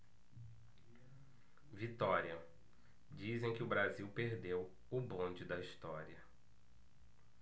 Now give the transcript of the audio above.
vitória dizem que o brasil perdeu o bonde da história